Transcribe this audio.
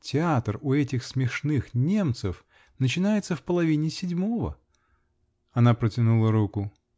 Театр у этих смешных немцев начинается в половине седьмого. -- Она протянула руку.